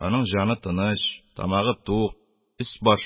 Аның җаны тыныч, тамагы тук, өс-башы бөтен;